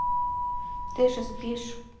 ты же спишь